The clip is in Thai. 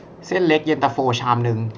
เส้นเล็กเย็นตาโฟชามนึง